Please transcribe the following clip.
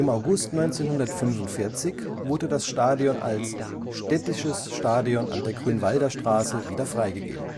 August 1945 wurde das Stadion als Städtisches Stadion an der Grünwalder Straße wieder freigegeben